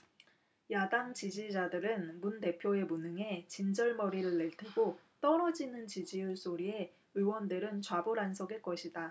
야당 지지자들은 문 대표의 무능에 진절머리를 낼 테고 떨어지는 지지율 소리에 의원들은 좌불안석일 것이다